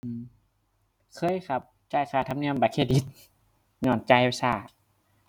อือ เคยครับจ่ายค่าธรรมเนียมบัตรเครดิตญ้อนจ่ายช้า